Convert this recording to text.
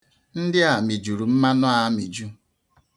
Ndị a mịjuru mmanụ a amiju.